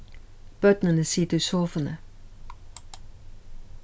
børnini sita í sofuni